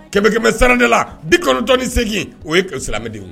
Kɛmɛ kɛmɛ sarada la 98 o ye silamɛmɛdenw ye .